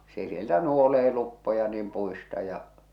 se sieltä nuolee luppoja niin puista ja